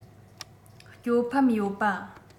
གྱོད ཕམ ཡོད པ